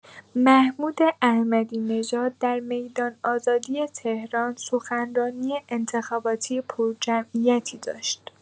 محمود احمدی‌نژاد در میدان آزادی تهران سخنرانی انتخاباتی پرجمعیتی داشت.